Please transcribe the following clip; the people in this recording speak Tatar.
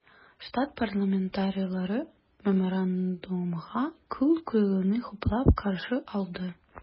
Штат парламентарийлары Меморандумга кул куелуны хуплап каршы алды.